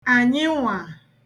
ànyị nwà